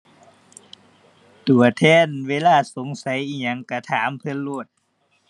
ตัวแทนเวลาสงสัยอิหยังก็ถามเพิ่นโลด